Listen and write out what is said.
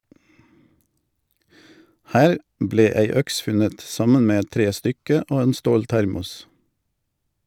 Her ble ei øks funnet, sammen med et trestykke og en ståltermos.